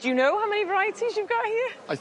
Do you know how many varieties you've got here?